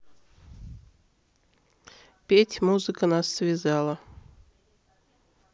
петь музыка нас связала